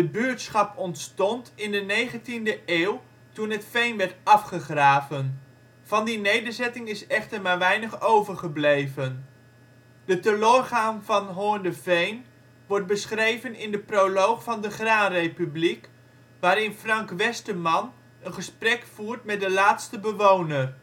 buurtschap ontstond in de negentiende eeuw toen het veen werd afgegraven. Van die nederzetting is echter maar weinig overgebleven. De teloorgang van Hoornderveen wordt beschreven in de proloog van De Graanrepubliek, waarin Frank Westerman een gesprek voert met de laatste bewoner